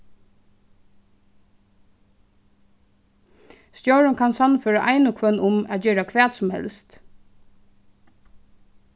stjórin kann sannføra ein og hvønn um at gera hvat sum helst